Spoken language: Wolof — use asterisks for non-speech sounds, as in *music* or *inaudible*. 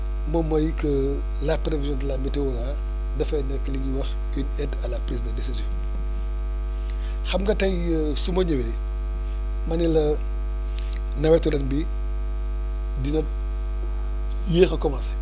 moom mooy que la prévision de la météo là dafay nekk li ñuy wax une aide à la prise de décision *breath* xam nga tey *hesitation* su ma ñëwee ma ne la nawetu ren bi dina yéex a commencé